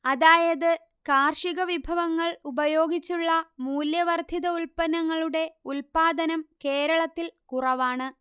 അതായത് കാർഷികവിഭവങ്ങൾ ഉപയോഗിച്ചുള്ള മൂല്യവർദ്ധിത ഉൽപ്പന്നങ്ങളുടെ ഉല്പാദനം കേരളത്തിൽ കുറവാണ്